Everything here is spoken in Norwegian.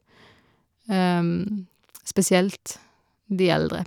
Spesielt de eldre.